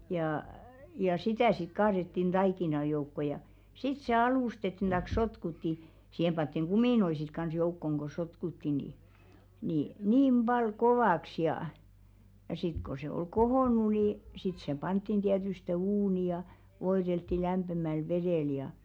ja ja sitä sitten kaadettiin taikinan joukkoon ja sitten se alustettiin tai sotkuttiin siihen pantiin kuminoita sitten kanssa joukkoon kun sotkuttiin niin niin niin paljon kovaksi ja ja sitten kun se oli kohonnut niin sitten se pantiin tietysti uuniin ja voideltiin lämpimällä vedellä ja